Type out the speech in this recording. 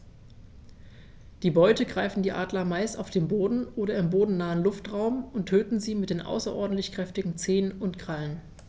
Die Beute greifen die Adler meist auf dem Boden oder im bodennahen Luftraum und töten sie mit den außerordentlich kräftigen Zehen und Krallen.